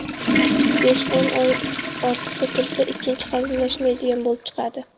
besh o'n oy o'tirsa ikkinchi hazillashmaydigan bo'lib chiqadi